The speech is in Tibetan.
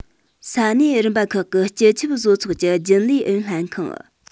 ས གནས རིམ པ ཁག གི སྤྱི ཁྱབ བཟོ ཚོགས ཀྱི རྒྱུན ལས ཨུ ཡོན ལྷན ཁང